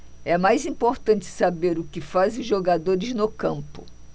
é mais importante saber o que fazem os jogadores no campo